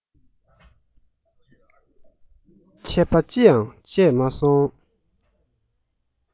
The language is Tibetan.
ཆད པ ཅི ཡང བཅད མ སོང